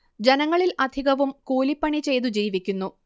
ജനങ്ങളിൽ അധികവും കൂലി പണി ചെയ്തു ജീവിക്കുന്നു